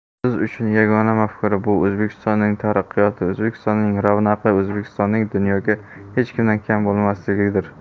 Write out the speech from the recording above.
biz uchun yagona mafkura bu o'zbekistonning taraqqiyoti o'zbekistonning ravnaqi o'zbekistonning dunyoda hech kimdan kam bo'lmasligidir